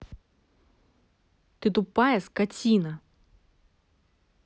ты тупая скотина